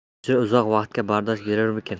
hujra uzoq vaqtga bardosh berurmikin